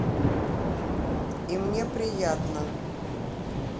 и мне приятно